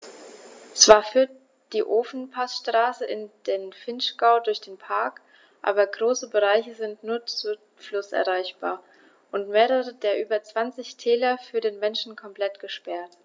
Zwar führt die Ofenpassstraße in den Vinschgau durch den Park, aber große Bereiche sind nur zu Fuß erreichbar und mehrere der über 20 Täler für den Menschen komplett gesperrt.